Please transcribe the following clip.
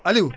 Aliou